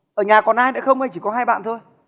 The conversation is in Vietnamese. ở nhà còn ai nữa không hay chỉ có hai bạn thôi